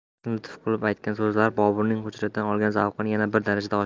onasining lutf qilib aytgan so'zlari boburning hujradan olgan zavqini yana bir darajada oshirdi